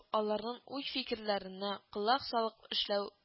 Аларның уй-фикерләренә колак салып эшләү